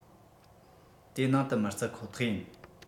དི ནང དུ མི བརྩི ཁོ ཐག ཡིན